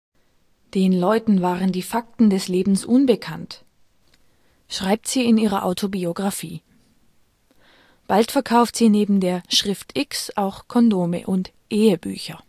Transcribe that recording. Den Leuten waren die Fakten des Lebens unbekannt ", schreibt sie in ihrer Autobiographie. Bald verkauft sie neben der " Schrift X " auch Kondome und " Ehebücher